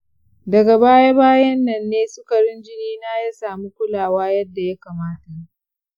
daga baya-bayan nan ne sukarin jinina ya samu kulawa yadda ya kamata.